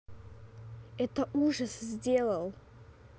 это ужас сделал